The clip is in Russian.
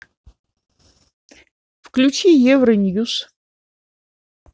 включи евро ньюс